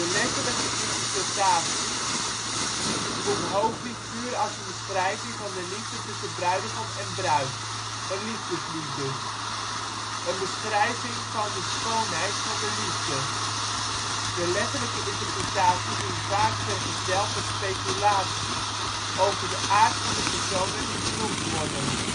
letterlijke interpretatie ziet het boek Hooglied puur als een beschrijving van de liefde tussen bruidegom en bruid. Een liefdeslied dus, een beschrijving van de schoonheid van de liefde. De letterlijke interpretatie ging vaak vergezeld met speculaties over de aard van de personen die genoemd worden